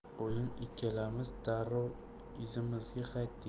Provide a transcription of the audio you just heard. oyim ikkalamiz darrov izimizga qaytdik